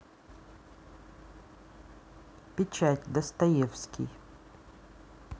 печать достоевский